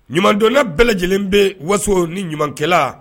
Ɲumandonna bɛɛ lajɛlen bɛ waso ni ɲumankɛla